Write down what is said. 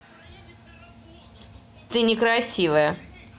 ты некрасивая